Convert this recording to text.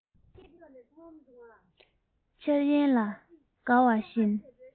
འཆར ཡན ལ དགའ བ བཞིན